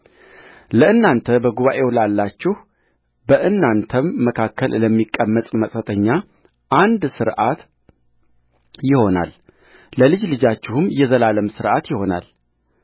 ለእናንተ በጉባኤው ላላችሁ በእናንተም መካከል ለሚቀመጥ መጻተኛ አንድ ሥርዓት ይሆናል ለልጅ ልጃችሁም የዘላለም ሥርዓት ይሆናል